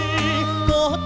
đâu